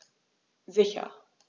Sicher.